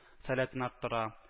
Сәләтен арттыра